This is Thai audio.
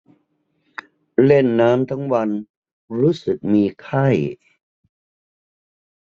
เล่นน้ำทั้งวันรู้สึกมีไข้